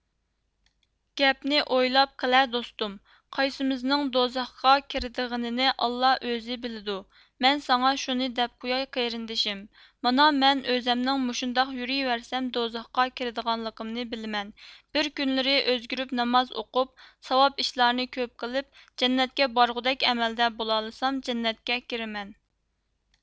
گەپنى ئويلاپ قىلە دوستۇم قايسىمىزنىڭ دوزاخقا كىردىغىنىنى ئاللا ئۆزى بىلدۇ مەن ساڭا شۇنى دەپ قوياي قېرىندىشىم مانا مەن ئۆزەمنىڭ مۇشۇنداق يۇرىۋەرسەم دوزاخقا كىردىغانلىقىمنى بىلىمەن بىر كۈنلىرى ئۆزگۈرۈپ ناماز ئوقۇپ ساۋاب ئىشلارنى كۆپ قىلىپ جەننەتكە بارغۇدەك ئەمەلدە بولالىسام جەننەتكە كىرىمەن